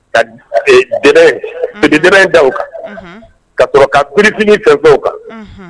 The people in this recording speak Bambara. Ka dɛ da aw kan ka kɔrɔ katigiinin ka da kan